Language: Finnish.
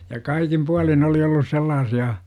ja kaikin puolin oli ollut sellaisia